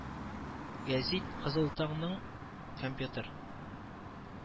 Гәзит Кызыл таң ның компьютер